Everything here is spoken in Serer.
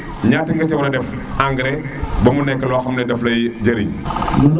ñata nga si wara def engrais bamu neek lo xamne def ley jëriñ